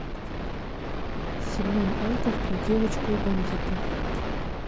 семен альтов про девочку и бандитов